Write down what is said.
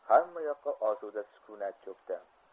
hammayoqqa osuda sukunat cho'kdi